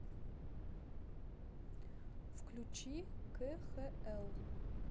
включи кхл